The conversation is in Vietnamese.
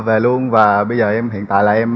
về luôn và bây giờ em hiện tại là em